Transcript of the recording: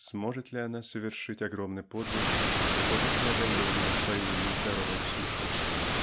Сможет ли она совершить огромный подвиг такого преодоления своей нездоровой сущности?